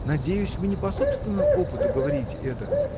Надеюсь, вы не по собственному опыту говорите это?